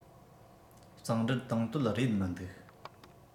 གཙང སྦྲར དང དོད རེད མི འདུག